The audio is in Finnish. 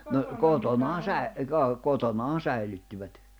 no kotonaan -- kotonaan säilyttivät